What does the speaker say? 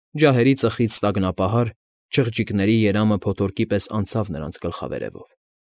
Ջահերի ծխից տագնապահար՝ չղջիկների երամը փոթորկի պես անցավ նրանց գլխավերևով։